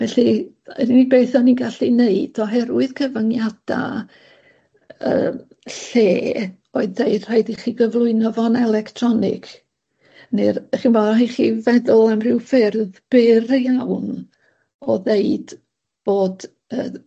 Felly, yr unig beth o'n i'n gallu neud, oherwydd cyfyngiada yy lle, oedd deud rhaid i chi gyflwyno fo'n electronig ne'r, chi'n bo', rhai' chi feddwl am ryw ffyrdd byr iawn o ddeud bod yy